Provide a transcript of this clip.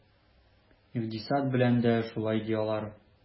Икътисад белән дә шулай, ди алар.